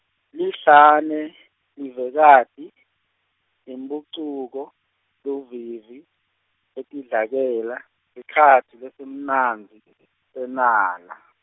Lihlane, Livekati, Imphucuko, Luvivi, lwetidlakela, sikhatsi lesimnandzi , senala.